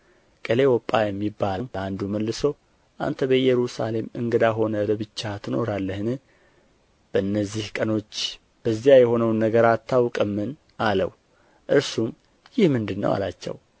ቀለዮጳ የሚባልም አንዱ መልሶ አንተ በኢየሩሳሌም እንግዳ ሆነህ ለብቻህ ትኖራለህን በእነዚህ ቀኖች በዚያ የሆነውን ነገር አታውቅምን አለው እርሱም ይህ ምንድር ነው አላቸው